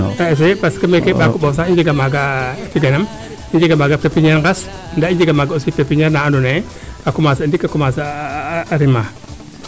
a essayer parce "que meeke o Mbako Mbof sax i njega maaga tiganam i njega maaga pepiniere ngas ndaa i njega maaga aussi pepiniere naa ando naye a commencer a ndiika commencer a rima